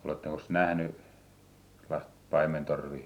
olettekos nähnyt sellaista paimentorvea